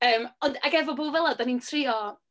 Yym, ond... ac efo pobl fela, dan ni'n trio...